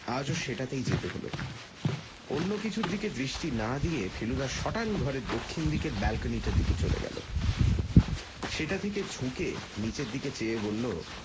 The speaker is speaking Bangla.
আজও সেটাতেই যেতে হল অন্য কিছুর দিকে দৃষ্টি না দিয়ে ফেলুদা সটান ঘরের দক্ষিণ দিকের ব্যালকনিটার দিকে চলে গেল সেটা থেকে ঝুঁকে নীচের দিকে চেয়ে বলল